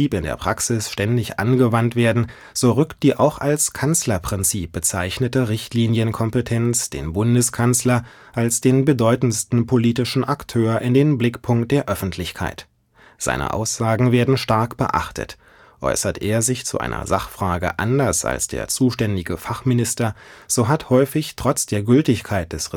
der Praxis ständig angewandt werden, so rückt die auch als „ Kanzlerprinzip “bezeichnete Richtlinienkompetenz den Bundeskanzler als den bedeutendsten politischen Akteur in den Blickpunkt der Öffentlichkeit. Seine Aussagen werden stark beachtet; äußert er sich zu einer Sachfrage anders als der zuständige Fachminister, so hat häufig trotz der Gültigkeit des